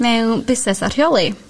mewn busnes a rheoli